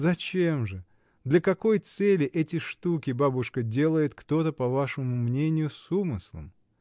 Зачем же, для какой цели эти штуки, бабушка, делает кто-то, по вашему мнению, с умыслом?